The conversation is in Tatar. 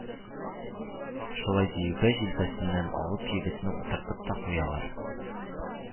Шулай диюгә, җилкәсеннән алып, егетне утыртып та куялар